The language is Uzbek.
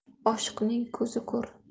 oshiqning ko'zi ko'r